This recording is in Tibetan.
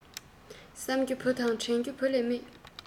བསམ རྒྱུ བུ དང དྲན རྒྱུ བུ ལས མེད